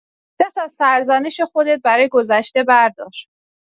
دست از سرزنش خودت برای گذشته بردار.